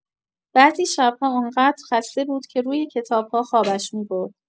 بعضی شب‌ها آن‌قدر خسته بود که روی کتاب‌ها خوابش می‌برد.